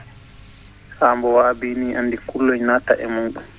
haa mbo waabii nii anndi kulloñ naattat e muɗum